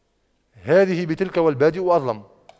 هذه بتلك والبادئ أظلم